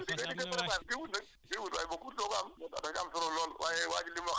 waaw ñu am xos si dañuy am xos waaye naén si gën a taxaw xos am na xos am na waaye dañ